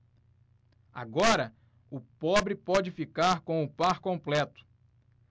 agora o pobre pode ficar com o par completo